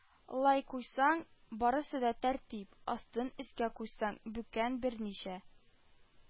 Лай куйсаң, барысы да тәртип, астын өскә куйсаң, бүкән берничә